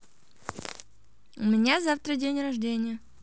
у меня завтра день рождения